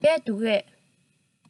འབྲས འདུག གས